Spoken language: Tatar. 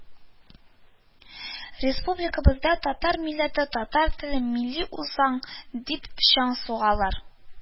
Республикабызда «татар милләте», «татар теле», «милли үзаң» дип чаң сугалар